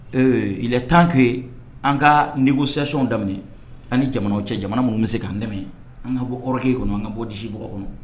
Ɛɛ tan ke an ka nikisɛsi daminɛ an ni jamana cɛ jamana minnu bɛ se k'an daminɛ an ka bɔ kɔrɔkɛ kɔnɔ an ka bɔ disi b bɔ kɔnɔ